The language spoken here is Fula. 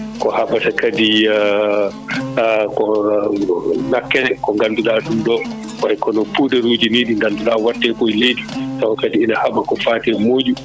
ko haaɓata kadi ngakkere ko ngannduɗaa ɗum ɗo way kono poudaruji ni ɗi ngannduɗaa watte koye leydi taw kadi ene haaɓa ko fate moƴu